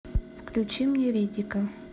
включи мне риддика